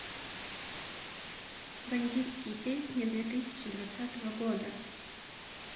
бандитские песни две тысячи двадцатого года